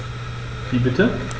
Wie bitte?